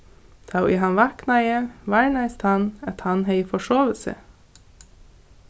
tá ið hann vaknaði varnaðist hann at hann hevði forsovið seg